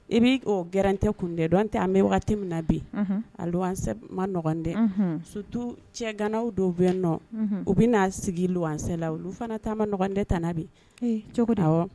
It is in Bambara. I bɛ o garan tɛ kun dɛ dɔn tɛ an bɛ waati min na bi a ma nɔgɔ tɛ sotu cɛganaw dɔw bɛ n nɔ u bɛ na sigi kisɛ la olu fana taamama nɔgɔ tɛ tan bi cogo wa